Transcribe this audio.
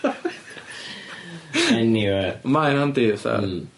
Eniwe. Mae yn handi fatha... Hmm.